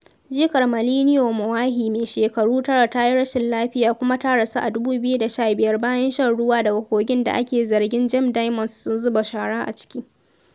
Jikar Malineo Moahi mai shekaru tara ta yi rashin lafiya kuma ta rasu a 2015 bayan shan ruwa daga kogin da ake zargin Gem Diamonds sun zuba shara a ciki.